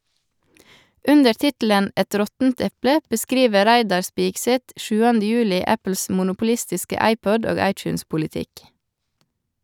Under tittelen «Et råttent eple» beskriver Reidar Spigseth 7. juli Apples monopolistiske iPod- og iTunes-politikk.